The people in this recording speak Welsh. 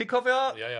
Ti'n cofio... Ia ia.